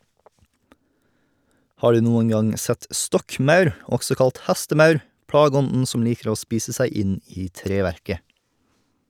Har du noen gang sett stokkmaur, også kalt hestemaur, plageånden som liker å spise seg inn i treverket?